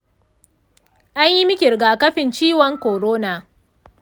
anyi miki rigakafin ciwon corona?